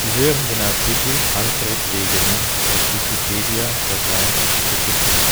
hören den Artikel Alfred Wegener, aus Wikipedia, der freien Enzyklopädie